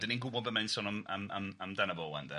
Dan ni'n gwbod be mae'n sôn am am am amdano fo ŵan de.